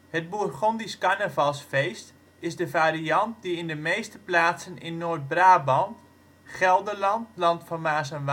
Het Bourgondisch carnavalsfeest is de variant die in de meeste plaatsen in Noord-Brabant, Gelderland Land van Maas en